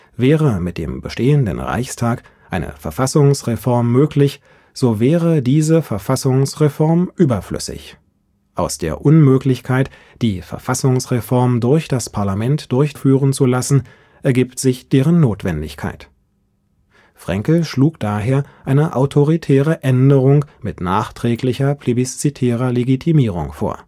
Wäre mit dem bestehenden Reichstag eine Verfassungsreform möglich, so wäre diese Verfassungsreform überflüssig. Aus der Unmöglichkeit, die Verfassungsreform durch das Parlament durchführen zu lassen, ergibt sich deren Notwendigkeit. “Fraenkel schlug daher eine autoritäre Änderung mit nachträglicher plebiszitärer Legitimierung vor